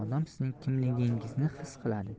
odam sizning kimligingizni his qiladi